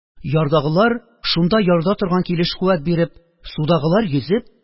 Ярдагылар – шунда ярда торган килеш куәт биреп, судагылар – йөзеп